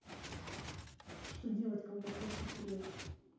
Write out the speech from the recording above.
что делать когда кошка срет